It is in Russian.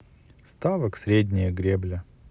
ставок средняя гребля